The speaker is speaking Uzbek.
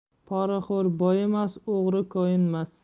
poraxo'r boyimas o'g'ri koyinmas